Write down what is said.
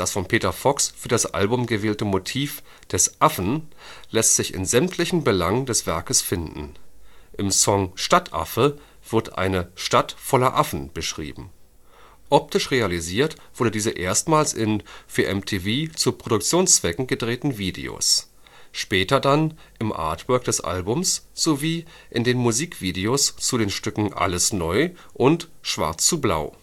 von Peter Fox für das Album gewählte Motiv des Affen lässt sich in sämtlichen Belangen des Werkes finden. Im Song Stadtaffe wird eine „ Stadt voller Affen “beschrieben. Optisch realisiert wurde diese erstmals in für MTV zu Promotionzwecken gedrehten Videos, später dann im Artwork des Albums sowie in den Musikvideos zu den Stücken Alles neu und Schwarz zu blau